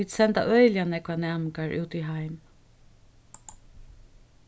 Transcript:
vit senda øgiliga nógvar næmingar út í heim